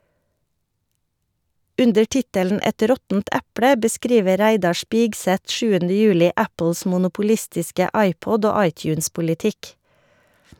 Under tittelen "Et råttent eple" beskriver Reidar Spigseth 7. juli Apples monopolistiske iPod- og iTunes-politikk.